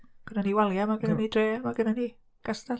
Gynna ni walia, ma' gynno ni dre, ma' gynno ni gastell